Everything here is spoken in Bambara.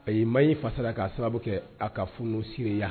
Ayi maa y'i fasala k'a sababu kɛ a ka fununu' siriereya